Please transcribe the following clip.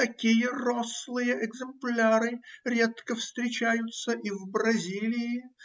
– Такие рослые экземпляры редко встречаются и в Бразилии.